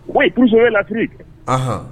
O i kuso lati aɔn